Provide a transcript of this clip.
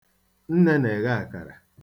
Nne na-eghe akara.